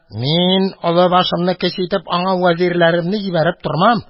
Мин, олы башымны кече итеп, аңа вәзирләремне җибәреп тормам.